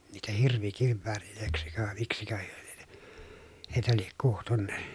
niitä hirvikivääreiksi vai miksikö he lienee heitä lie kutsunut